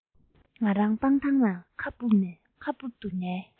ང རང སྤང ཐང ན ཁ སྦུབ ཏུ ཉལ